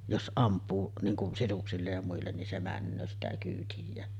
jos ampuu niin kuin sisuksille ja muille niin se menee sitä kyytijään